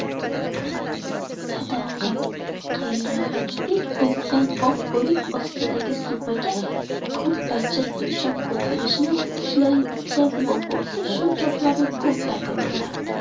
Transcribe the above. sadaqayrag'ochdek o'sgan oq o'rik ostidagi supaga ko'rpacha to'shab o'tirishni xushlaydigan bobosi shu gaplarni ko'p takrorlardi